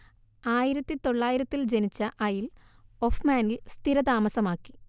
ആയിരത്തി തൊള്ളായിരത്തിൽ ജനിച്ച ഐൽ ഒഫ് മാനിൽ സ്ഥിരതാമസമാക്കി